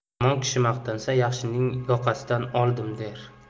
yomon kishi maqtansa yaxshining yoqasidan oldim der